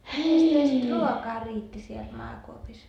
mitenkäs teillä sitten ruokaa riitti siellä maakuopissa